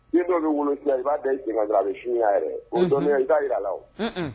N dɔ bɛ wolo i b'a da cɛ a bɛ sunya yɛrɛ dɔnya i jira la o